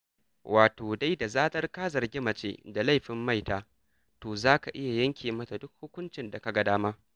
Wato dai da zarar ka zargi mace da laifin maita, to za ka iya yanke mata duk hukuncin da ka ga dama.